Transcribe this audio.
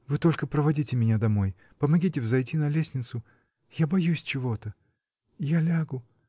Вы только проводите меня домой, помогите взойти на лестницу — я боюсь чего-то. Я лягу.